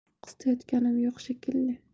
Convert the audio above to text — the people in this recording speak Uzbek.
qistayotganim yo'q shekilli